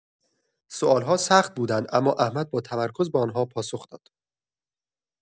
سوال‌ها سخت بودند، اما احمد با تمرکز به آن‌ها پاسخ داد.